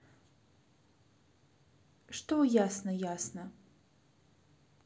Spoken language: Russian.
что ясно ясно